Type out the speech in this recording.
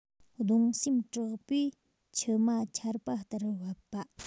གདུང སེམས དྲག པོས མཆི མ ཆར པ ལྟར བབས པ